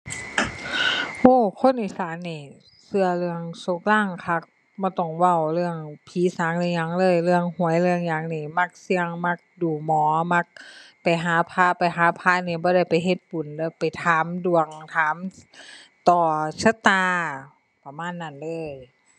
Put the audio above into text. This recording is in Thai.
โห้ คนอีสานนี่เชื่อเรื่องโชคลางคัก บ่ต้องเว้าเรื่องผีสางเรื่องหยังเลย เรื่องหวยเรื่องหยังนี่มักเสี่ยงมักดูหมอ มักไปหาพระ ไปหาพระนี่บ่ได้ไปเฮ็ดบุญเด้อ ไปถามดวง ถามต่อชะตา ประมาณนั้นเลย